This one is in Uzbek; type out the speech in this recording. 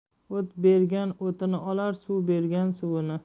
o't bergan o'tini olar suv bergan suvini